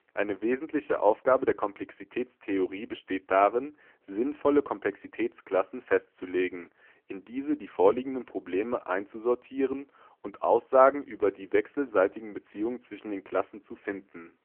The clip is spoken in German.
Eine wesentliche Aufgabe der Komplexitätstheorie besteht darin, sinnvolle Komplexitätsklassen festzulegen, in diese die vorliegenden Probleme einzusortieren und Aussagen über die wechselseitigen Beziehungen zwischen den Klassen zu finden